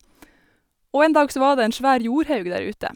Og en dag så var det en svær jordhaug der ute.